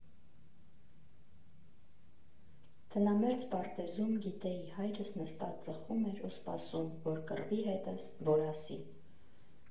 Տնամերձ պարտեզում, գիտեի, հայրս նստած ծխում էր ու սպասում, որ կռվի հետս, որ ասի.